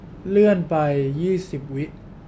เลื่อนไปยี่สิบวิ